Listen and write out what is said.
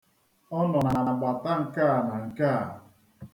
Ọ nọ n'agbata nke a na nke a.